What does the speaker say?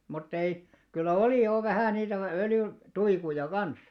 mutta ei kyllä oli jo vähän niitä - öljytuikkuja kanssa